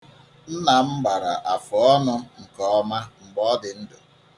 Nna m gbara àfùọnụ̄ nke ọma mgbe ọ dị ndụ.